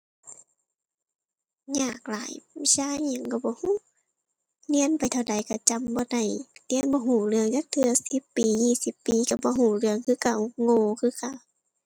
ยากหลายวิชาอิหยังก็บ่ก็ เรียนไปเท่าใดก็จำบ่ได้ เรียนบ่ก็เรื่องจักเทื่อ สิบปียี่สิบปีก็บ่ก็เรื่องคือเก่า โง่คือเก่า